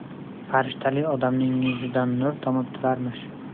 farishtali odamning yuzidan nur tomib turarmish